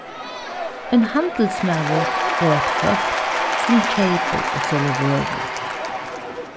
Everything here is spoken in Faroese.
ein handilsmaður er eitt fólk sum keypir og selur vørur